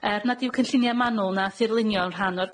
Er nad yw cynllunia manwl na thirlunio yn rhan o'r